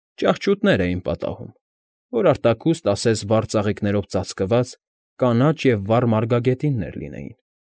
Ճահճուտներ էին պատահում, որ արտաքուստ ասես վառ ծաղիկներով ծածկված, կանաչ և վառ մարգագետիններ լինենին։